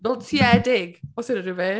Nonsiedig os unrhyw beth.